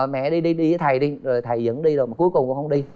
mẹ đi đi với thầy đi rồi thầy dẫn đi rồi cuối cùng cũng hông đi